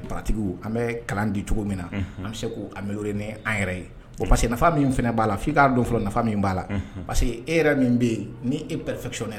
Di cogo na bɛ se k ye o parce que nafa min fana b'a la f' dɔn fɔlɔ nafa min b'a la parce que e yɛrɛ min bɛ e